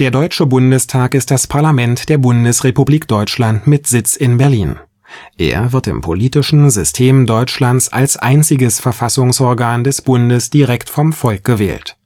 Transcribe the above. Deutsche Bundestag ist das Parlament der Bundesrepublik Deutschland mit Sitz in Berlin. Er wird im politischen System Deutschlands als einziges Verfassungsorgan des Bundes direkt vom Volk gewählt